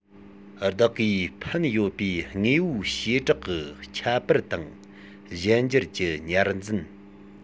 བདག གིས ཕན ཡོད པའི དངོས པོའི བྱེ བྲག གི ཁྱད པར དང གཞན འགྱུར གྱི ཉར འཛིན